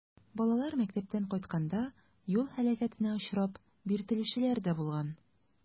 Балалар мәктәптән кайтканда юл һәлакәтенә очрап, биртелүчеләр дә булган.